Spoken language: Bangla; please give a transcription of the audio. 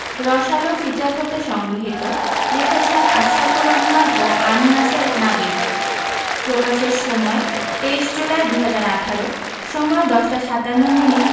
রসআলো ফিচার হতে সংগৃহীত লিখেছেনঃ আশফাকুর রহমান ও আন্ নাসের নাবিল প্রকাশের সময়ঃ ২৩ জুলাই ২০১৮ সময়ঃ ১০টা ৫৭ মিনিট